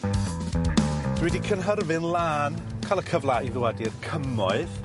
Dwi 'di cynhyrfu'n lan ca'l y cyfla i ddwad i'r Cymoedd.